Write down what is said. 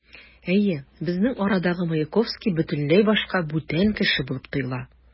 Әйе, безнең арадагы Маяковский бөтенләй башка, бүтән кеше булып тоела.